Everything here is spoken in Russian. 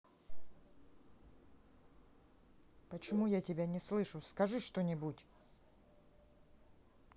почему я тебя не слышу скажи что нибудь